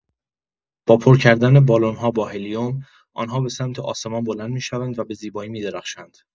با پر کردن بالون‌ها با هلیوم، آن‌ها به سمت آسمان بلند می‌شوند و به زیبایی می‌درخشند.